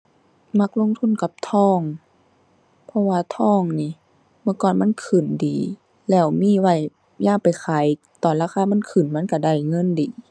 มักลงทุนกับทอง เพราะว่าทองนี่เมื่อก่อนมันขึ้นดี แล้วมีไว้ยามไปขายตอนราคามันขึ้น มันก็ได้เงินดี